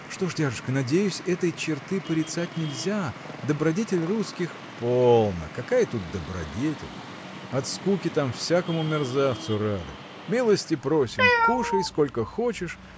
– Что ж, дядюшка, надеюсь этой черты порицать нельзя. Добродетель русских. – Полно! какая тут добродетель. От скуки там всякому мерзавцу рады Милости просим кушай сколько хочешь